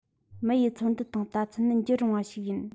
མི ཡི ཚོར འདུ དང ལྟ ཚུལ ནི འགྱུར རུང བ ཞིག ཡིན